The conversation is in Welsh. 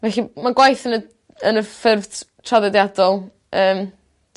Felly ma' gwaith yn y yn y ffurf t- traddodiadol yym